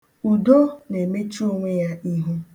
Udo na-emechu onwe ya ihu.